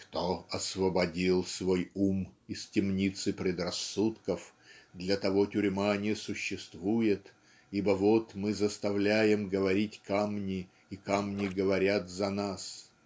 "кто освободил свой ум из темницы предрассудков, для того тюрьма не существует, ибо вот мы заставляем говорить камни и камни говорят за нас".